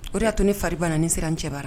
O de y'a to ne fari bannanen sera n cɛ bara